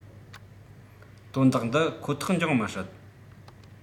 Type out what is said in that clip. དོན དག འདི ཁོ ཐག འབྱུང མི སྲིད